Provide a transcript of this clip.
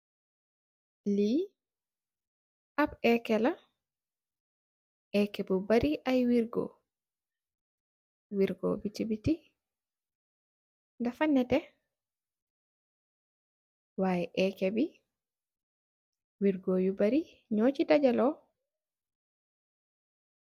Li ap ekela eke bu bari ay wergo wergo si beti dafa netex y ekeh bi wergo yu bari nyusi dagalu.